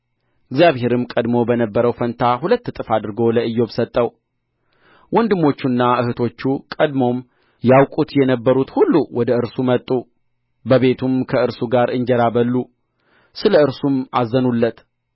እግዚአብሔርም ቀድሞ በነበረው ፋንታ ሁለት እጥፍ አድርጎ ለኢዮብ ሰጠው ወንድሞቹና እኅቶቹ ቀድሞም ያውቁት የነበሩት ሁሉ ወደ እርሱ መጡ በቤቱም ከእርሱ ጋር እንጀራ በሉ ስለ እርሱም አዘኑለት